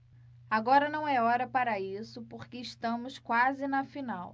agora não é hora para isso porque estamos quase na final